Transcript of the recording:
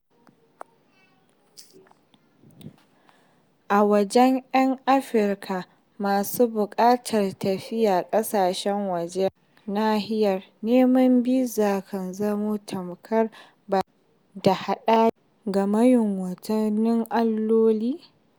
A wajen 'yan Afirka masu buƙatar tafiya ƙasashen wajen nahiyar, neman biza kan zamo tamkar ba da hadaya ga mayunwatan alloli.